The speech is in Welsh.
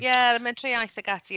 Ie, yr Mentrau Iaith ac ati?